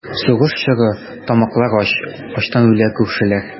Сугыш чоры, тамаклар ач, Ачтан үлә күршеләр.